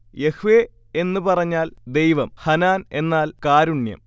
Yahweh എന്നു പറഞ്ഞാൽ ദൈവം, ഹനാൻ എന്നാൽ കാരുണ്യം